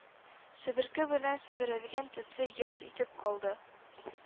Себерке белән себерелгән төсле, ялт итеп калды.